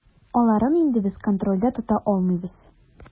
Аларын инде без контрольдә тота алмыйбыз.